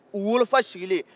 u wolofa sigilen